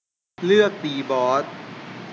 เลือกตีบอส